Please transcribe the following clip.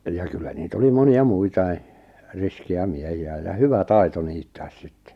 ja kyllä niitä oli monia muitakin riskejä miehiä ja hyvä taito niittää sitten